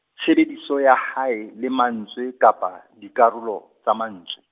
tshebediso ya hae, le mantswe, kapa, dikarolo, tsa mantswe.